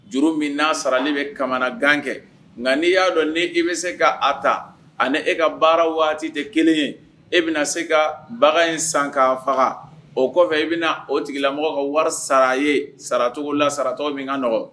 Juru min n'a sarali bɛ kamanagan kɛ, nka n'i y'a dɔn i bɛ se ka a ta, ani e ka baara waati tɛ kelen ye, e bɛna se ka bagan in san k'a faga, o kɔfɛ i bɛna o tigilamɔgɔ ka wari sara a ye, sara saracogo la, saracogo min ka nɔgɔn.